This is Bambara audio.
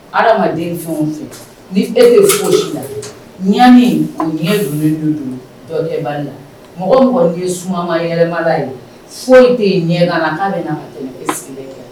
Adamaden ni e foyi ɲani mɔgɔ ye ye foyi tɛ ɲɛ